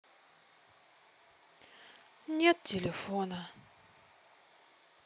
нет телефона